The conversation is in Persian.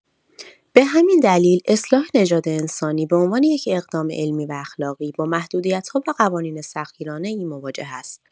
به همین دلیل، اصلاح نژاد انسانی به‌عنوان یک اقدام علمی و اخلاقی، با محدودیت‌ها و قوانین سخت‌گیرانه‌ای مواجه است.